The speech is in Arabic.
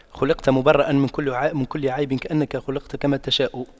خلقت مُبَرَّأً من كل عيب كأنك قد خُلقْتَ كما تشاء